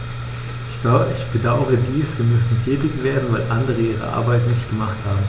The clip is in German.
Ich bedauere dies, denn wir müssen tätig werden, weil andere ihre Arbeit nicht gemacht haben.